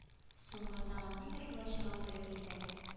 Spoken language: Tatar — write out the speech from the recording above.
Суңгыр тагын ниләр булачагын белми иде әле